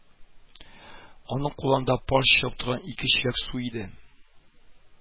Аның кулланда пар чыгып торган ике чиләк су иде